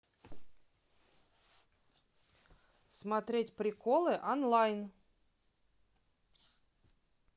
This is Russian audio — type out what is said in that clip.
смотреть приколы онлайн